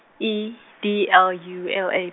E, D L U L A.